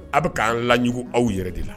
A bɛ k'an lajugu aw yɛrɛ de la